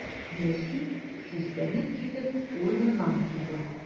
Нәсим, сискәнеп китеп, урыныннан торды.